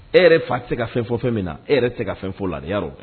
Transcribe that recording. E yɛrɛ fa tɛ se ka fɛn fɔ fɛn min na e yɛrɛ tɛ se ka fɛn fɔ ladi'